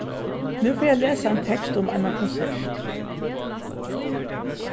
nú fari eg at lesa ein tekst um eina konsert